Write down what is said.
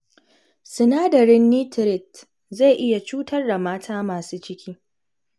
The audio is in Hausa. Sinadarin Nitiret zai iya cutar da mata masu ciki.